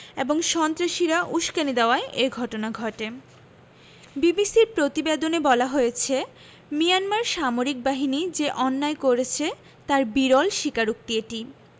এবং সন্ত্রাসীরা উসকানি দেওয়ায় এ ঘটনা ঘটে বিবিসির প্রতিবেদনে বলা হয়েছে মিয়ানমার সামরিক বাহিনী যে অন্যায় করেছে তার বিরল স্বীকারোক্তি এটি